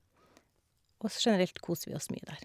Også generelt koser vi oss mye der.